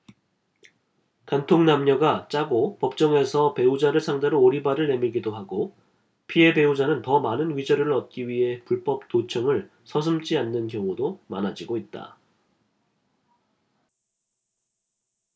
간통 남녀가 짜고 법정에서 배우자를 상대로 오리발을 내밀기도 하고 피해 배우자는 더 많은 위자료를 얻기 위해 불법 도청을 서슴지 않는 경우도 많아지고 있다